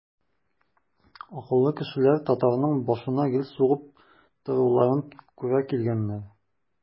Акыллы кешеләр татарның башына гел сугып торуларын күрә килгәннәр.